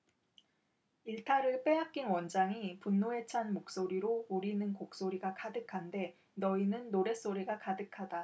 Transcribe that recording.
일타를 빼앗긴 원장이 분노에 찬 목소리로 우리는 곡소리가 가득한데 너희는 노랫소리가 가득하다